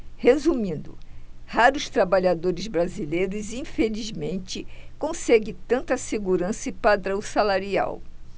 resumindo raros trabalhadores brasileiros infelizmente conseguem tanta segurança e padrão salarial